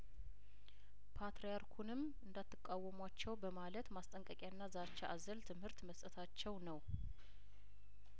ፓትርያርኩንም እንዳትቃወሟቸው በማለት ማስጠንቀቂያና ዛቻ አዘል ትምህርት መስጠታቸው ነው